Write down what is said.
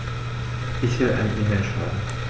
Ich will eine E-Mail schreiben.